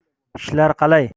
ishlar qalay